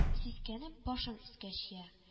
Сискәнеп башын өскә чөя